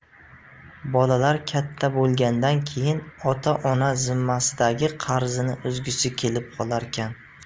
bolalar katta bo'lgandan keyin ota ona zimmasidagi qarzini uzgisi kelib qolarkan